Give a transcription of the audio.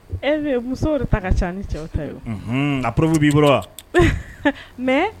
E mɛ musow de ta ka ca ni cɛw ta ye o ka porobu b'i bolo wa mɛ